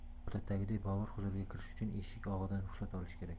odatdagiday bobur huzuriga kirish uchun eshik og'adan ruxsat olish kerak